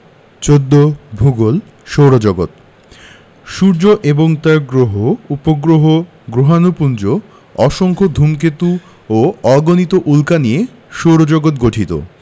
১৪ ভূগোল সৌরজগৎ সূর্য এবং তার গ্রহ উপগ্রহ গ্রহাণুপুঞ্জ অসংখ্য ধুমকেতু ও অগণিত উল্কা নিয়ে সৌরজগৎ গঠিত